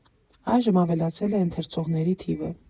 Այժմ ավելացել է ընթերցողների թիվը։